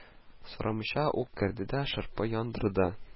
Сорамыйча ук керде дә шырпы яндырды